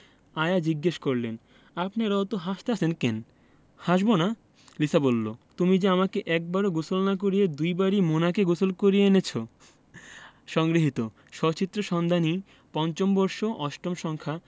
আয়া জিজ্ঞেস করলেন আপনেরা অত হাসতাসেন ক্যান হাসবোনা লিসা বললো তুমি যে আমাকে একবারও গোসল না করিয়ে দুবারই মোনাকে গোসল করিয়ে এনেছো সংগৃহীত সচিত্র সন্ধানী৫ম বর্ষ ৮ম সংখ্যা